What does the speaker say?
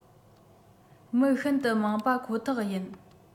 མི ཤིན ཏུ མང པ ཁོ ཐག ཡིན